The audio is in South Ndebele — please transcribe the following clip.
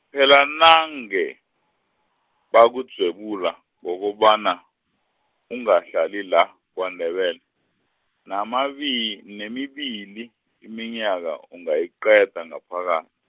phela nange, bakudzwebula, ngokobana, ungahlali la, kwaNdebele, namabi- nemibili, iminyaka, ungayiqeda ngaphaka-.